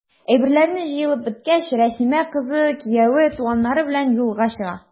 Әйберләр җыелып беткәч, Рәсимә, кызы, кияве, туганнары белән юлга чыга.